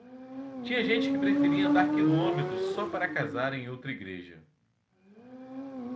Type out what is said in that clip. tinha gente que preferia andar quilômetros só para casar em outra igreja